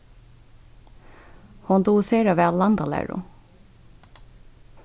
hon dugir sera væl landalæru